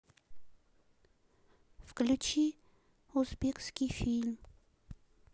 включи узбекский фильм